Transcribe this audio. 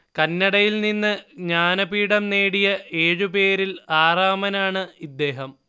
കന്നഡയിൽ നിന്നു ജ്ഞാനപീഠം നേടിയ ഏഴുപേരിൽ ആറാമൻ ആണ് ഇദ്ദേഹം